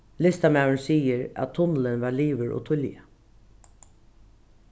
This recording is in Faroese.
listamaðurin sigur at tunnilin var liðugur ov tíðliga